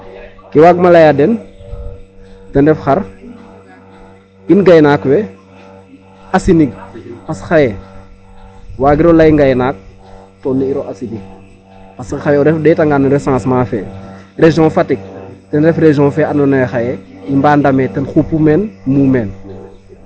Ke wagma laya a den ten ref xar in gaynaak we a sinig parce que xaye waagiro lay ngaynaak to ne'iro a sinig. Parce que xaye o ɗeetanga no resencement fe région Fatick ten ref région fe andoona yee xaye i mba ndame ten xupu meen muumeen.